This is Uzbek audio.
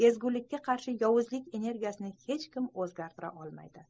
ezgulikka qarshi yovuzlik energiyasini hech kim o'zgartira olmaydi